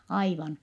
aivan